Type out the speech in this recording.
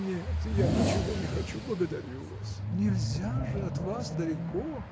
— Нет, я ничего не хочу, благодарю вас. — Нельзя же: от вас далеко.